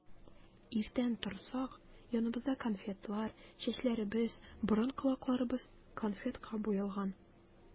Иртән торсак, яныбызда конфетлар, чәчләребез, борын-колакларыбыз конфетка буялган.